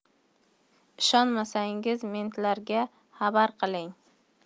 ishonmasangiz mentlarga xabar qiling